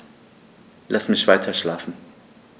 Lass mich weiterschlafen.